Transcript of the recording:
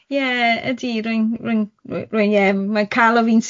Ie, ydi, rwy'n r- rwy'n rwy- rwy'n ie, mae calon fi'n su-